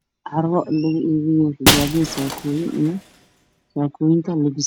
Waa carwo lagu iibiyo saakoyin iyo xijaabo saakoyinka labiska